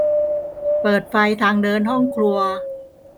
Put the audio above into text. เปิดไฟทางเดินห้องครัว